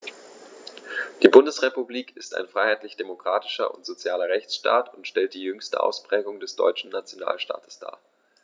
Die Bundesrepublik ist ein freiheitlich-demokratischer und sozialer Rechtsstaat und stellt die jüngste Ausprägung des deutschen Nationalstaates dar.